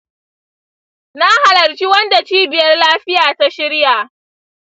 na halarci wanda cibiyar lafiya ta shirya.